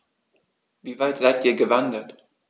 Wie weit seid Ihr gewandert?